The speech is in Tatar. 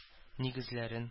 Нигезләрен